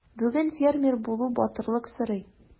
Бүген фермер булу батырлык сорый.